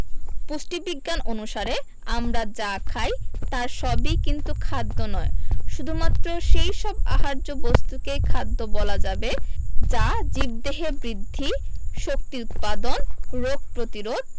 পুষ্টিবিজ্ঞান অনুসারে আমরা যা খাই তার সবই কিন্তু খাদ্য নয় শুধুমাত্র সেই সব আহার্য বস্তুকে খাদ্য বলা যাবে যা জীবদেহে বৃদ্ধি শক্তি উৎপাদন রোগ প্রতিরোধ